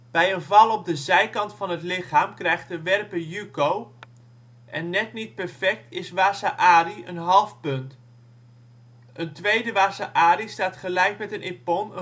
Bij een val op de zijkant van het lichaam krijgt de werper yuko en net niet perfect is waza-ari (half punt). Een tweede waza-ari staat gelijk met een ippon